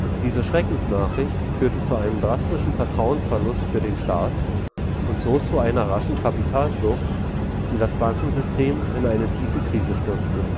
Diese Schreckensnachricht führte zu einem drastischen Vertrauensverlust für den Staat und so zu einer raschen Kapitalflucht, die das Bankensystem in eine tiefe Krise stürzte